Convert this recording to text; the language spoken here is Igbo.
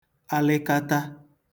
alịkata